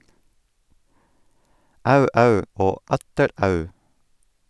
- Au-au, og atter au.